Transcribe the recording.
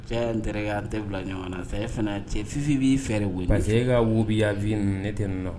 Cɛ n terikɛ an tɛ bila ɲɔgɔn na sa, e fana cɛ fifi b'i fɛ de parce que ɛ ka woubiya vie ninnu an tɛ ni la.